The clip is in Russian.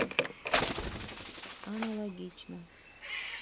аналогично